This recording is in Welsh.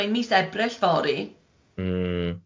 Mae'n mis Ebrill fory mm.